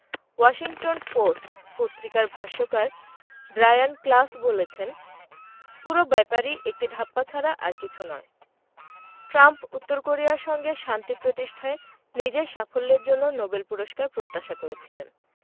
Washington Post পত্রিকার ভাষ্যকার Brian Klaas বলেছেন পুরো ব্যাপারই একটি ধাপ্পা ছাড়া আর কিছু নয় ট্রাম্প উত্তর কোরিয়ার সঙ্গে শান্তি প্রতিষ্ঠায় নিজের সাফল্যের জন্য নোবেল পুরস্কার প্রত্যাশা করেছিলেন